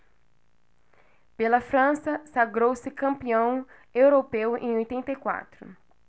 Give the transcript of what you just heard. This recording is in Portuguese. pela frança sagrou-se campeão europeu em oitenta e quatro